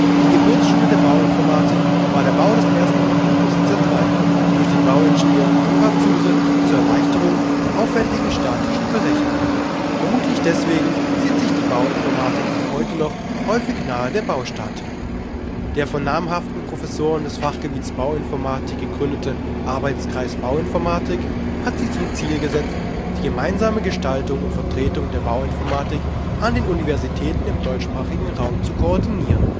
Die Geburtsstunde der Bauinformatik war der Bau des ersten Computers Z3 durch den Bauingenieur Konrad Zuse zur Erleichterung der aufwändigen statischen Berechnungen. Vermutlich deswegen sieht sich die Bauinformatik auch heute noch häufig nahe der Baustatik. Der von namhaften Professoren des Fachgebiets Bauinformatik gegründete Arbeitskreis Bauinformatik hat sich zum Ziel gesetzt, die gemeinsame Gestaltung und Vertretung der Bauinformatik an den Universitäten im deutschsprachigen Raum zu koordinieren